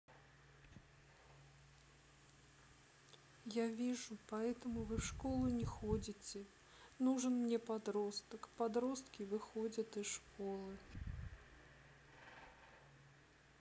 я вижу поэтому вы в школу не ходите нужен мне подросток подростки выходят из школы